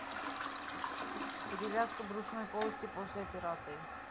перевязка брюшной полости после операции